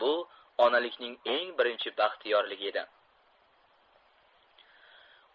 bu onalikning eng birinchi baxtiyorligi edi